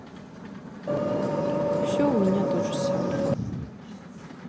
все у меня тоже самое